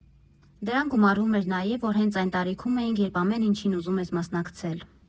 Դրան գումարվում էր նաև, որ հենց այն տարիքում էինք, երբ ամեն ինչին ուզում ես մասնակցել։